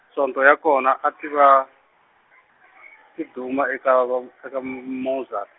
Sonto ya kona a ti va, tiduma eka va va, eka m-, Mauzer.